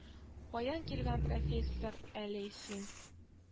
Каян килгән профессор әле син